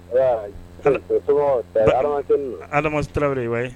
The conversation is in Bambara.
Ala tarawele wa